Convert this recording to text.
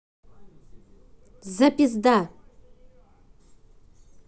за пизда